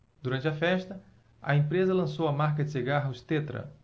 durante a festa a empresa lançou a marca de cigarros tetra